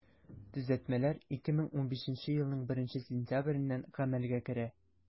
Төзәтмәләр 2015 елның 1 сентябреннән гамәлгә керә.